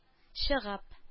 Чыгып